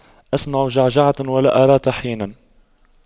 أسمع جعجعة ولا أرى طحنا